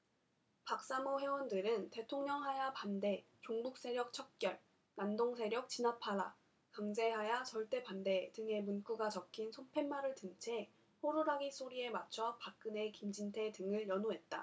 박사모 회원들은 대통령하야 반대 종북세력 척결 난동세력 진압하라 강제하야 절대반대 등의 문구가 적힌 손팻말을 든 채 호루라기 소리에 맞춰 박근혜 김진태 등을 연호했다